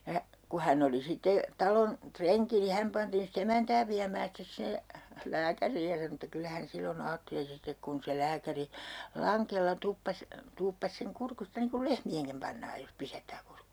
ja kun hän oli sitten talon renki niin hän pantiin sitten emäntää viemään sitten sinne lääkäriin ja sanoi että kyllä hän silloin ajatteli sitten kun se lääkäri langella tuppasi tuuppasi sen kurkusta niin kuin lehmienkin pannaan jos pisättää kurkku